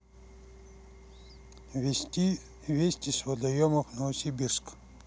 вести с водоемов новосибирск